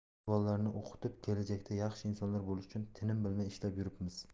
shu bolalarni o'qitib kelajakda yaxshi insonlar bo'lishi uchun tinim bilmay ishlab yuribmiz